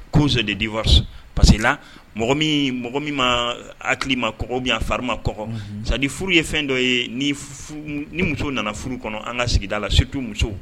Kozɔn de diwa parce que la mɔgɔ mɔgɔ min ma hakiliki ma kɔ bɛ a fari ma kɔ sani ni furu ye fɛn dɔ ye ni muso nana furu kɔnɔ an ka sigida la sotu muso